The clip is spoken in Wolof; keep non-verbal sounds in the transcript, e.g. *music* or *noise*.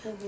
*hesitation* *hesitation*